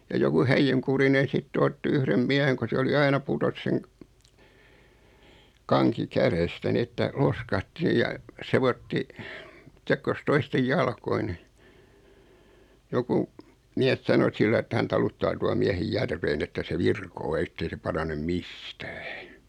ja joku häijynkurinen sitten otti yhden miehen kun se oli aina putosi sen kanki kädestä niin että loiskahti ja sekoitti sekosi toisten jalkoihin niin joku mies sanoi sillä lailla että hän taluttaa tuon miehen järveen että se virkoaa että ei se parane mistään